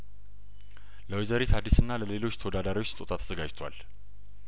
ለወይዘሪት አዲስና ለሌሎች ተወዳዳሪዎች ስጦታ ተዘጋጅቷል